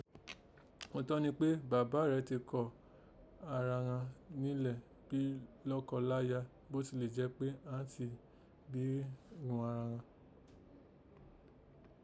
Òtítọ́ ni pé bàbá rẹ̀ tí kọ̀ ara ghan nilẹ́ bí lọ́kọ láyà bó tilẹ̀ jẹ́ pé àán tí bí a ghún ara